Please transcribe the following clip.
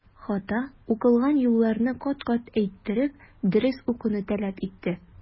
Хата укылган юлларны кат-кат әйттереп, дөрес укуны таләп итте.